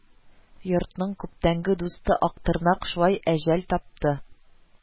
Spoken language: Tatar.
Йортның күптәнге дусты Актырнак шулай әҗәл тапты